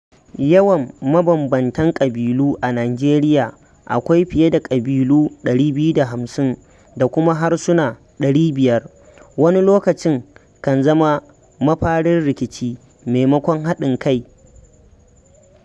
Yawan mabambamtan ƙabi'lu a Nijeriya - akwai fiye da ƙabilu 250 da kuma harsuna 500 - wani lokacin kan zama mafarin rikici maimakon haɗin kai.